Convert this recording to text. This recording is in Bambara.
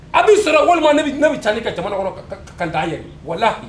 A bɛ sɔrɔ walima bɛ ne bɛ ca ka jamanakɔrɔ kan' ye wala la